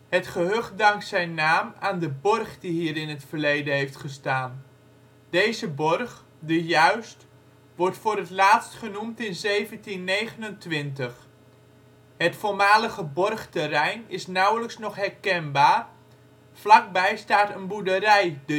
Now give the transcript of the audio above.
Het gehucht dankt zijn naam aan de borg die hier in het verleden heeft gestaan. Deze borg De Juist wordt voor het laatst genoemd in 1729. Het voormalige borgterrein is nauwelijks nog herkenbaar, vlakbij staat een boerderij De